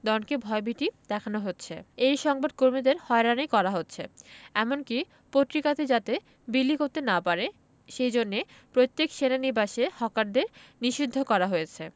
ডনকে ভয়ভীতি দেখানো হচ্ছে এর সংবাদ কর্মীদের হয়রানি করা হচ্ছে এমনকি পত্রিকাটি যাতে বিলি করতে না পারে সেজন্যে প্রত্যেক সেনানিবাসে হকারদের নিষিদ্ধ করা হয়েছে